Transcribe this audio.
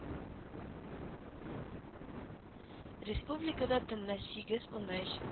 Республикада төнлә сигез-унөч